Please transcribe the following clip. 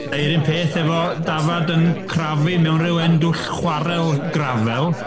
Neu'r un peth efo dafad yn crafu mewn ryw hen dwll chwarel grafel.